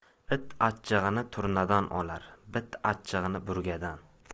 it achchig'ini turnadan olar bit achchig'ini burgadan